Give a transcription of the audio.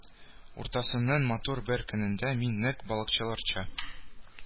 Уртасының матур бер көнендә мин, нәкъ балыкчыларча,